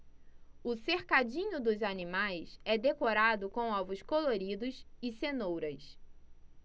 o cercadinho dos animais é decorado com ovos coloridos e cenouras